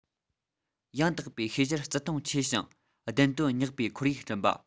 ཡང དག པའི ཤེས བྱར བརྩི མཐོང ཆེ ཞིང བདེན དོན སྙེག པའི ཁོར ཡུག བསྐྲུན པ